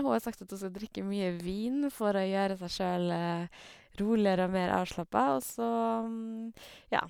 Hun har sagt at hun skal drikke mye vin for å gjøre seg sjøl roligere og mer avslappa, og så ja.